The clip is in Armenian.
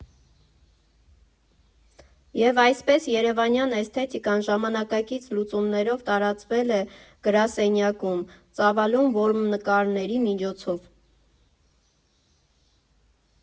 Եվ այսպես, երևանյան էսթետիկան ժամանակակից լուծումներով տարածվել է գրասենյակում՝ ծավալուն որմնանկարների միջոցով.